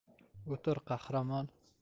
o'tir qahramon